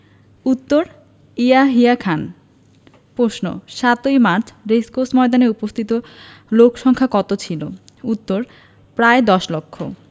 উত্তর ইয়াহিয়া খান প্রশ্ন ৭ই মার্চ রেসকোর্স ময়দানে উপস্থিত লোকসংক্ষা কত ছিলো উত্তর প্রায় দশ লক্ষ